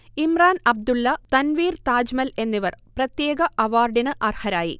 ഇമ്രാൻ അബ്ദുല്ല, തൻവീർ താജ്മൽ എന്നിവർ പ്രത്യേക അവാർഡിന് അർഹരായി